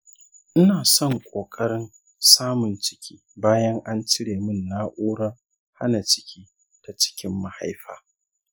ina son fara ƙoƙarin samun ciki bayan an cire min na’urar hana ciki ta cikin mahaifa.